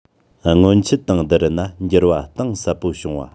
སྔོན ཆད དང བསྡུར ན འགྱུར བ གཏིང ཟབ པོ བྱུང བ